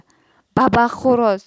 babax xo'roz